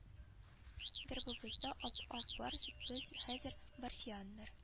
Гербыбызда ап-ак барс без хәзер барсианнар